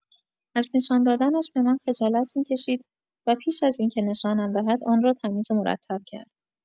از نشان دادنش به من خجالت می‌کشید و پیش از اینکه نشانم دهد، آن را تمیز و مرتب کرد.